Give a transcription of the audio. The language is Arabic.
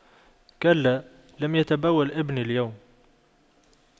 كلا لم يتبول ابني اليوم